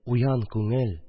Уян, күңел